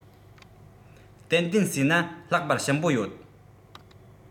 ཏན ཏན བཟས ན ལྷག པར ཞིམ པོ ཡོད